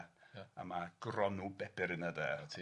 a ma' Gronw Bebr yna de... 'Na ti...